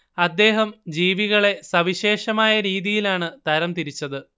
അദ്ദേഹം ജീവികളെ സവിശേഷമായ രീതിയിലാണു തരം തിരിച്ചത്